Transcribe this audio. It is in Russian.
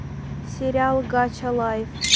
сериал гача лайф